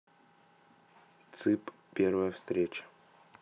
цып первая встреча